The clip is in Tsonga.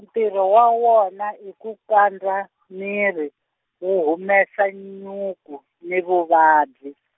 ntirho wa wona i ku kandza miri, wu humesa nyuku ni vuvabyi.